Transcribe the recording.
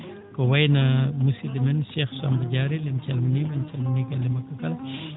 ko wayno musidɗo men Cheikh Samba Diarel en calminii mo en calminii galle makko kala